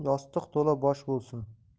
yostiq to'la bosh bo'lsin